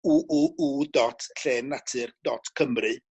ŵ ŵ ŵ dot llên natur dot Cymru